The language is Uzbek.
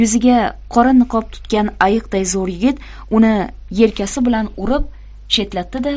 yuziga qora niqob tutgan ayiqday zo'r yigit uni yelkasi bilan urib chetlatdi da